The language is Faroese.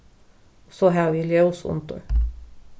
og so havi eg ljós undir